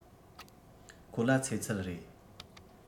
ཁོ ལ ཚེ ཚད རེད